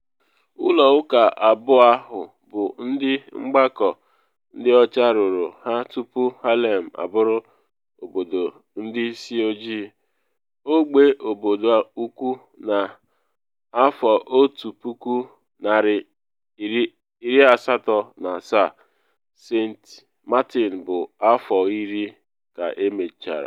Ụlọ ụka abụọ ahụ bụ ndị mgbakọ ndị ọcha rụrụ ha tupu Harlem abụrụ obodo ndị isi ojii - Ogbe Obodo Ukwuu na 1870, St. Martin bụ afọ iri ka emechara.